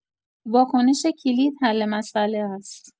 واکنش کلید حل مسئله است.